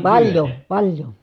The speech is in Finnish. paljon paljon